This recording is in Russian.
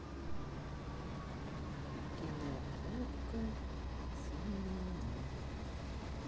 кино окко синее море